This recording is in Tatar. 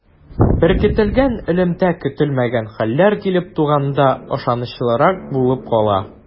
Беркетелгән элемтә көтелмәгән хәлләр килеп туганда ышанычлырак булып кала.